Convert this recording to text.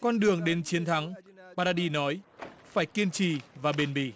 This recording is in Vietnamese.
con đường đến chiến thắng ba đa đi nói phải kiên trì và bền bỉ